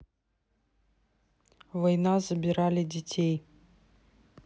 война забирали детей